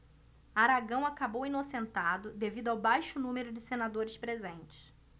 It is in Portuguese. aragão acabou inocentado devido ao baixo número de senadores presentes